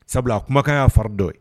Sabula a kumakan y'a fara dɔ ye